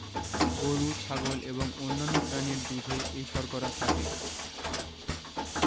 গরু ছাগল এবং অন্যান্য প্রাণীর দুধে এই শর্করা থাকে